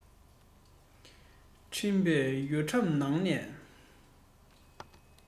འཕྲིན པས གཡོ ཁྲམ ནང ནས